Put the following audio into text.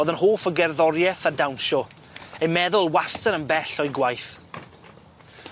o'dd yn hoff o gerddorieth a dawnsio ei meddwl wastad yn bell o'i gwaith.